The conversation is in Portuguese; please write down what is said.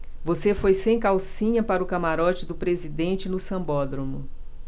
você foi sem calcinha para o camarote do presidente no sambódromo